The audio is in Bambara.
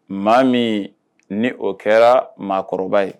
Maa min ni o kɛra mɔgɔkɔrɔba ye